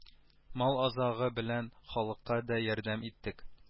Мал азыгы белән халыкка да ярдәм иттек